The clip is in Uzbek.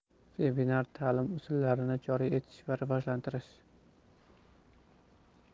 vebinar ta'lim usullarini joriy etish va rivojlantirish